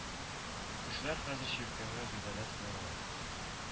Кешеләр хәзер чиркәүгә гыйбадәт кылырга